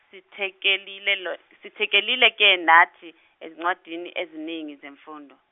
sithekelilelo- sithekelile -ke nathi ezincwadini eziningi zemfundo.